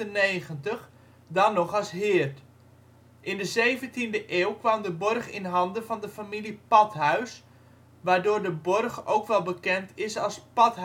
1598, dan nog als heerd. In de zeventiende eeuw kwam de borg in handen van de familie Pathuis, waardoor de borg ook wel bekend is als Pathuisbörg